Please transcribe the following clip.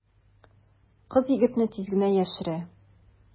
Кыз егетне тиз генә яшерә.